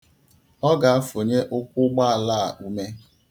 Ọ ga-afụnye ụkwụ ụgbọala a ume.